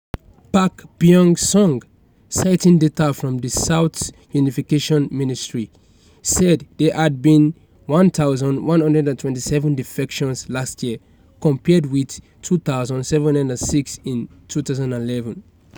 Park Byeong-seug, citing data from the South's unification ministry, said there had been 1,127 defections last year - compared with 2,706 in 2011.